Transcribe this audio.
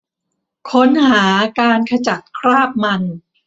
ค้นหาการขจัดคราบมัน